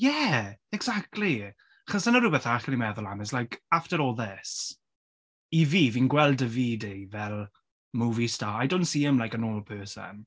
Ie exactly achos dyna rhywbeth arall o'n ni'n meddwl am is like after all this i fi fi'n gweld Davide fel movie star. I don't see him like a normal person.